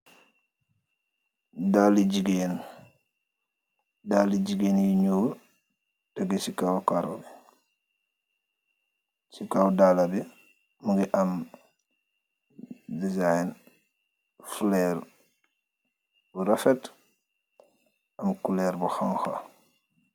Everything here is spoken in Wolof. Daali gigain, daali gigain yu njull tehgeh ci kaw kaaroh, ci kaw daalah bi mungi am design fleur bu rafet, am couleur bu honha.